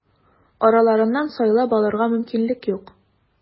Араларыннан сайлап алырга мөмкинлек юк.